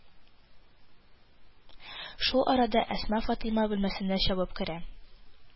Шул арада Әсма Фатыйма бүлмәсенә чабып керә